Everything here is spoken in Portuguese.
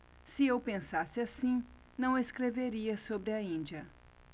se eu pensasse assim não escreveria sobre a índia